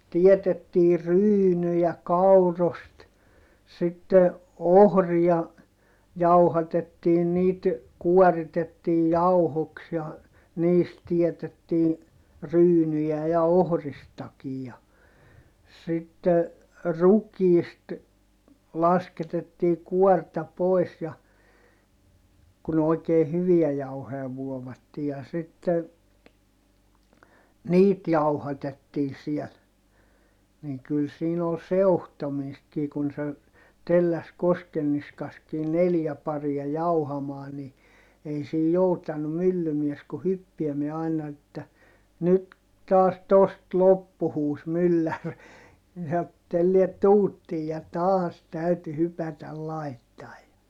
teetettiin ryynejä kaurasta sitten ohria jauhatettiin niitä kuoritettiin jauhoiksi ja niistä teetettiin ryynejä ja ohristakin ja sitten rukiista lasketettiin kuorta pois ja kun oikein hyviä jauhoja vuovattiin ja sitten niitä jauhatettiin siellä niin kyllä siinä oli seuhtomistakin kun se telläsi Koskenniskassakin neljä paria jauhamaan niin ei siinä joutanut myllymies kuin hyppäämään aina että nyt taas tuosta loppui huusi mylläri niin sanoi että tällää tuuttiin ja taas täytyi hypätä laittamaan ja